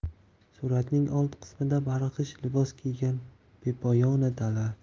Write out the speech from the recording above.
suratning old qismida sarg'ish libos kiygan bepoyon dala